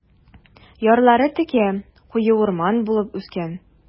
Ярлары текә, куе урман булып үскән.